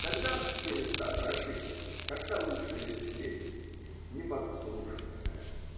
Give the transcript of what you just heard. тогда все места хороши, как та лучшая из песен -- неподслушанная.